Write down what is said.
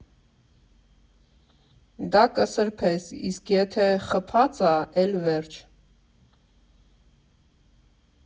Դա կսրբես, իսկ եթե խփած ա՝ էլ վերջ։